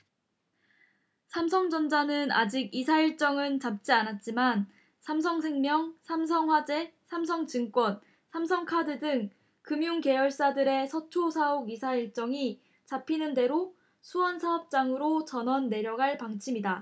삼성전자는 아직 이사 일정은 잡지 않았지만 삼성생명 삼성화재 삼성증권 삼성카드 등 금융계열사들의 서초 사옥 이사 일정이 잡히는 대로 수원사업장으로 전원 내려갈 방침이다